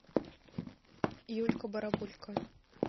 юлька барабулька